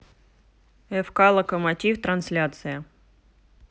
фк локомотив трансляция